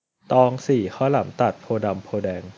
ตองสี่ข้าวหลามตัดโพธิ์ดำโพธิ์แดง